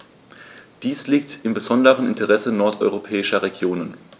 Dies liegt im besonderen Interesse nordeuropäischer Regionen.